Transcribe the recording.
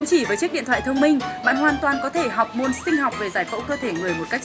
chỉ với chiếc điện thoại thông minh bạn hoàn toàn có thể học môn sinh học về giải phẫu cơ thể người một cách